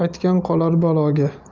aytgan qolar baloga